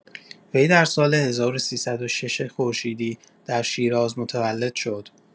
وی در سال ۱۳۰۶ خورشیدی در شیراز متولد شد.